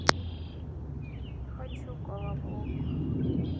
не хочу колобок